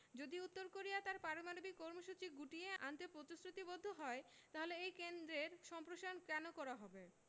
যদি উত্তর কোরিয়া তার পারমাণবিক কর্মসূচি গুটিয়ে আনতে প্রতিশ্রুতিবদ্ধ হয় তাহলে এই কেন্দ্রের সম্প্রসারণ কেন করা হবে